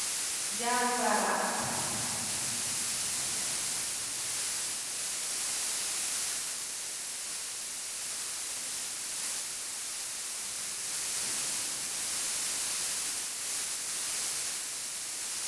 Jaaru baraam.